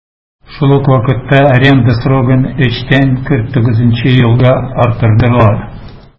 Шул ук вакытта аренда срогын 3 тән 49 елга арттырдылар.